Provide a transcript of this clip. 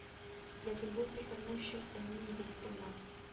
Ләкин бу фикернең чын фәнни нигезе булмады